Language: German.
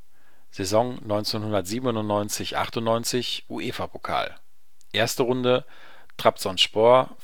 Saison 1997 / 1998 (UEFA-Pokal) 1. Runde: Trabzonspor